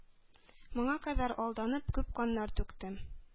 Моңа кадәр алданып, күп каннар түктем;